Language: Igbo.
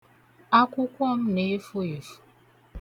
Akwụkwọ m na-efu efu.